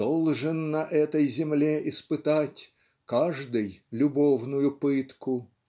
Должен на этой земле испытать Каждый любовную пытку.